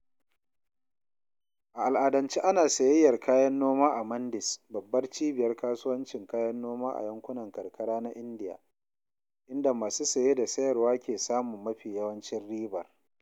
A al’adance, ana sayayyar kayan noma a “mandis” (babbar cibiyar kasuwancin kayan noma a yankunan karkara na Indiya), inda masu saye da sayarwa ke samun mafi yawancin ribar.